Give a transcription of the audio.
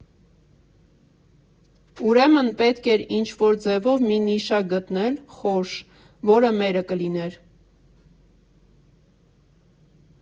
Ուրեմն պետք էր ինչ֊որ ձևով մի նիշա գտնել, խորշ, որը մերը կլիներ։